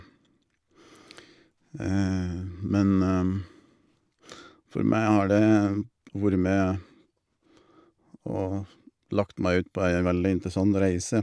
Men for meg har det vore med og lagt meg ut på ei veldig interessant reise.